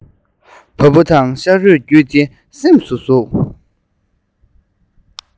བ སྤུ དང ཤ རུས བརྒྱུད དེ སེམས སུ ཟུག